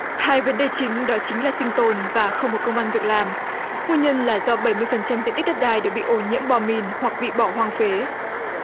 hai vấn đề chính đã chính là sinh tồn và không có công ăn việc làm phu nhân là do bảy mươi phần trăm diện tích đất đai bị ô nhiễm bom mìn hoặc bị bỏ hoang phế